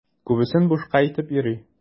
Күбесен бушка әйтеп йөри.